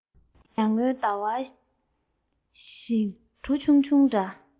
ཡར ངོའི ཟླ བ ཤིང གྲུ ཆུང ཆུང འདྲ